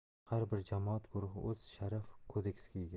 har bir jamoat guruhi o'z sharaf kodeksiga ega